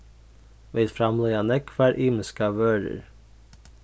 vit framleiða nógvar ymiskar vørur